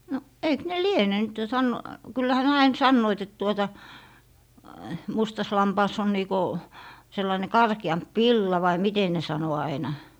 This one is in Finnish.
no eikö ne liene nyt jo - kyllähän ne aina sanoivat että tuota mustassa lampaassa on niin kuin sellainen karkeampi villa vai miten ne sanoi aina